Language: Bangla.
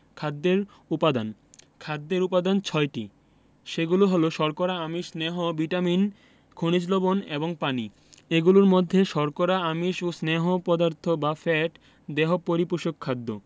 খাদ্যের উপাদান খাদ্যের উপাদান ছয়টি সেগুলো হলো শর্করা আমিষ স্নেহ ভিটামিন খনিজ লবন এবং পানি এগুলোর মধ্যে শর্করা আমিষ ও স্নেহ পদার্থ বা ফ্যাট দেহ পরিপোষক খাদ্য